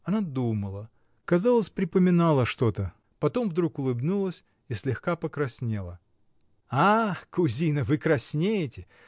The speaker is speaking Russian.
Она думала, казалось, припоминала что-то, потом вдруг улыбнулась и слегка покраснела. кузина, вы краснеете?